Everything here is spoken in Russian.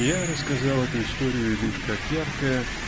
Я рассказал эту историю лишь как яркое